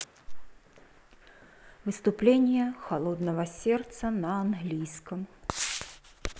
выступление холодного сердца на английском